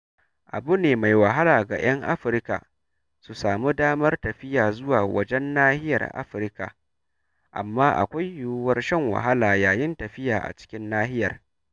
Abu ne mai wahala ga 'yan Afirka su samu damar tafiya zuwa wajen nahiyar ta Afirka - amma akwai yiwuwar shan wuya yayin tafiya a cikin nahiyar.